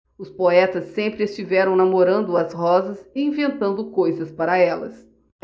os poetas sempre estiveram namorando as rosas e inventando coisas para elas